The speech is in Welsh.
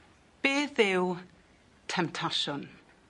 Beth yw temtasiwn?